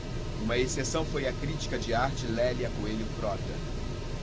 uma exceção foi a crítica de arte lélia coelho frota